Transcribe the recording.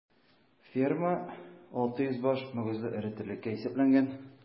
Ферма 600 баш мөгезле эре терлеккә исәпләнгән.